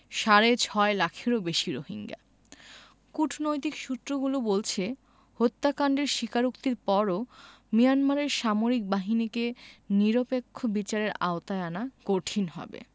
সাড়ে ছয় লাখেরও বেশি রোহিঙ্গা কূটনৈতিক সূত্রগুলো বলছে হত্যাকাণ্ডের স্বীকারোক্তির পরও মিয়ানমারের সামরিক বাহিনীকে নিরপেক্ষ বিচারের আওতায় আনা কঠিন হবে